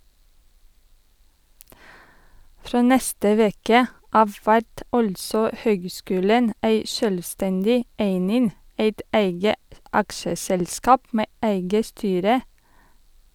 Frå neste veke av vert altså høgskulen ei sjølvstendig eining , eit eige aksjeselskap med eige styre.